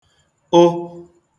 ụ